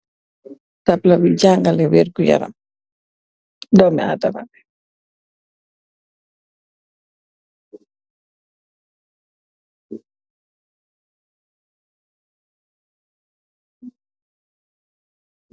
Tapla bi jangale wérgu yaram doomi adaama bi